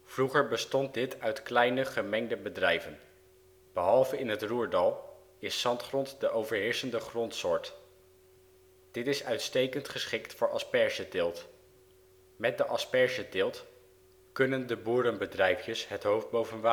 Vroeger bestond dit uit kleine gemengde bedrijven. Behalve in het Roerdal, is zandgrond de overheersende grondsoort. Dit is uitstekend geschikt voor aspergeteelt. Met de aspergeteelt kunnen de boerenbedrijfjes het hoofd boven